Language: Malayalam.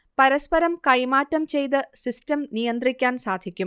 പരസ്പരം കൈമാറ്റം ചെയ്ത് സിസ്റ്റം നിയന്ത്രിക്കാൻ സാധിക്കും